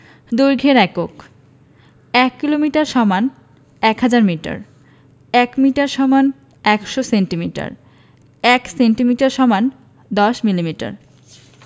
দৈর্ঘ্যের এককঃ ১ kilometre = ১০০০ metre ১ metre = ১০০ centimetre ১ centimetre = ১০ millimetre